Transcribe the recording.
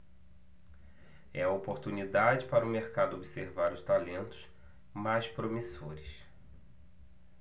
é a oportunidade para o mercado observar os talentos mais promissores